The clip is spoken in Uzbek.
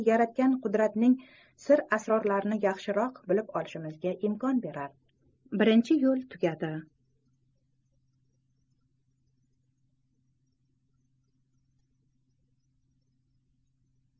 yaratgan qudratining sir asrorlarini yaxshiroq bilib olishimizga imkon beradi